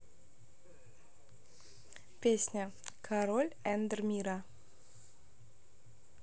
песня король эндер мира